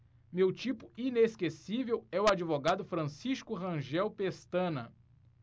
meu tipo inesquecível é o advogado francisco rangel pestana